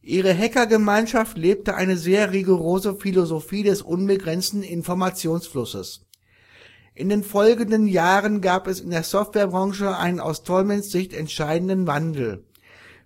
Ihre Hackergemeinschaft lebte eine sehr rigorose Philosophie des unbegrenzten Informationsflusses. In den folgenden Jahren gab es in der Softwarebranche einen aus Stallmans Sicht entscheidenden Wandel: